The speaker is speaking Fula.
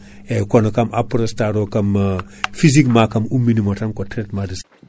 eyyi kono kam Aprostar o kam physiquement ummini mo tan ko traitement de sem